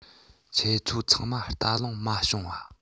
ཁྱེད ཚོ ཚང མ བལྟ ལོང མ བྱུང བ